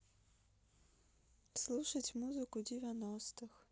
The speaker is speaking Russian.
слушать музыку девяностых